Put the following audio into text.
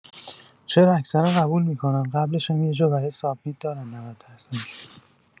چرا اکثرا قبول می‌کنن قبلشم یه جا برای سابمیت دارن ۹۰ درصدشون.